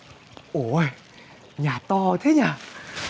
ủ ôi nhà to thế nhở